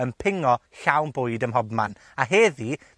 yn pingo llawn bwyd ym mhobman, a heddi